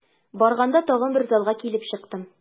Барганда тагын бер залга килеп чыктык.